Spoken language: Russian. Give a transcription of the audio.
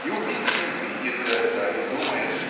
и убивший видит это и думает